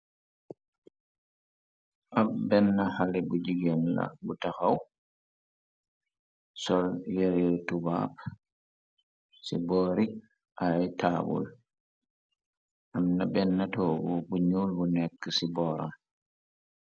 ab benn xale bu jigéen bu taxaw sol yere tubaak ci boori ay taabul amna benn toobo buñul bu nekk ci boora